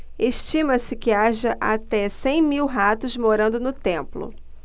estima-se que haja até cem mil ratos morando no templo